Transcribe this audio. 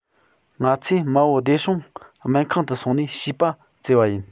ང ཚོས མ བུ བདེ སྲུང སྨན ཁང དུ སོང ནས བྱིས པ བཙས པ ཡིན